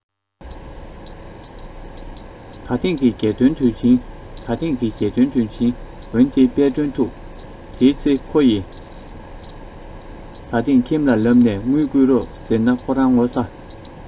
ད ཐེངས ཀྱི རྒྱལ སྟོན དུས ཆེན ད ཐེངས ཀྱི རྒྱལ སྟོན དུས ཆེན འོན ཏེ དཔལ སྒྲོན ཐུགས དེའི ཚེ ཁོ ཡི ད ཐེངས ཁྱིམ ལ ལབ ནས དངུལ བསྐུར རོགས ཟེར ན ཁོ རང ངོ ཚ